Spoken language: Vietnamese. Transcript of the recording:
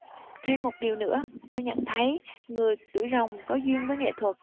thêm một điều nữa tôi nhận thấy người tuổi rồng có duyên với nghệ thuật